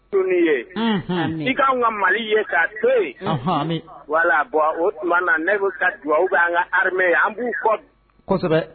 unhun, i k'anw ka Mali ye' to yen, anhan, voila bon o tuma na ne ka dugawu bɛ an ka armée ye an b'u kɔ, kosɛbɛ